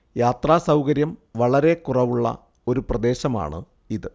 യാത്രാ സൗകര്യം വളരെ കുറവുള്ള ഒരു പ്രദേശമാണ് ഇത്